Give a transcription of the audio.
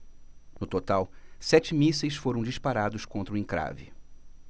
no total sete mísseis foram disparados contra o encrave